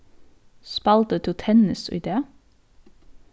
spældi tú tennis í dag